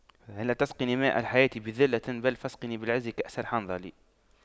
لا تسقني ماء الحياة بذلة بل فاسقني بالعز كأس الحنظل